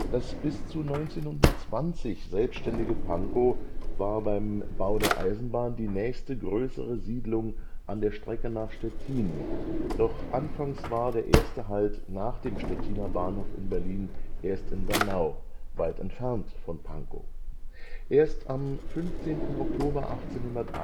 Das bis 1920 selbständige Pankow war beim Bau der Eisenbahn die nächste größere Siedlung an der Strecke nach Stettin, doch anfangs war der erste Halt nach dem Stettiner Bahnhof in Berlin erst in Bernau, weit entfernt von Pankow. Erst am 15. Oktober 1880